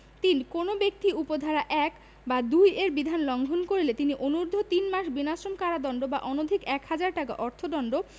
৩ কোন ব্যক্তি উপ ধারা ১ বা ২ এর বিধান লংঘন করিলে তিনি অনূর্ধ্ব তিনমাস বিনাশ্রম কারাদন্ড বা অনধিক এক হাজার টাকা অর্থ দন্ড